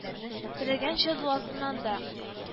«теләгәнчә дуласын анда